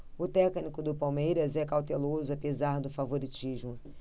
o técnico do palmeiras é cauteloso apesar do favoritismo